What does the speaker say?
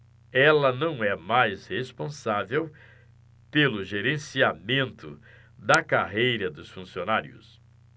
ela não é mais responsável pelo gerenciamento da carreira dos funcionários